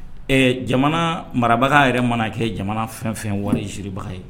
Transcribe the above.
Ɛɛ jamana marabaga yɛrɛ mana kɛ jamana fɛn fɛn warisuurubaga ye